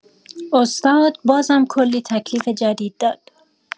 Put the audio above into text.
استاد بازم کلی تکلیف جدید داد